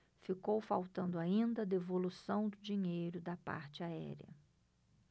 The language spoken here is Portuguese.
ficou faltando ainda a devolução do dinheiro da parte aérea